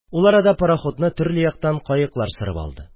Ул арада пароходны төрле яктан каеклар сырып алды.